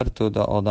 bir to'da odam